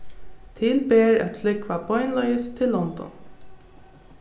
til ber at flúgva beinleiðis til london